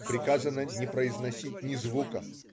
Приказано не произносить ни звука.